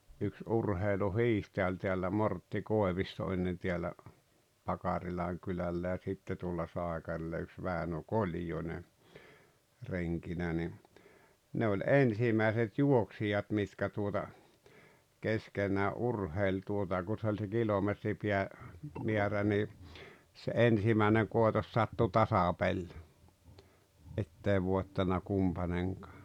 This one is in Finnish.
yksi urheiluhiihtäjä oli täällä Mortti Koivisto ennen täällä Pakarilan kylällä ja sitten tuolla Saikarilla yksi Väinö Koljonen renkinä niin ne oli ensimmäiset juoksijat mitkä tuota keskenään urheili tuota kun se oli se - kilometripäämäärä niin se ensimmäinen koitos sattui tasapeli että ei voittanut kumpainenkaan